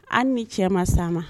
An ni ce ma sa